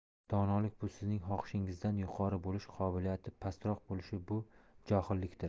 donolik bu sizning xohishingizdan yuqori bo'lish qobiliyati pastroq bo'lish bu johillikdir